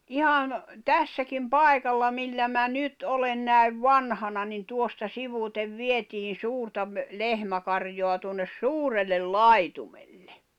ihan tässäkin paikalla millä minä nyt olen näin vanhana niin tuosta sivuitse vietiin suurta - lehmäkarjaa tuonne suurelle laitumelle